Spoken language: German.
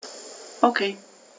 Okay.